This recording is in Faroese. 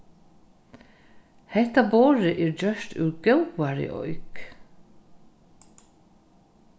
hetta borðið er gjørt úr góðari eik